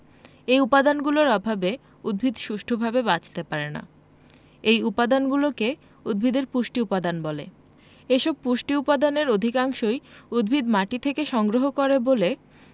এ উপাদানগুলোর অভাবে উদ্ভিদ সুষ্ঠুভাবে বাঁচতে পারে না এ উপাদানগুলোকে উদ্ভিদের পুষ্টি উপাদান বলে এসব পুষ্টি উপাদানের অধিকাংশই উদ্ভিদ মাটি থেকে সংগ্রহ করে বলে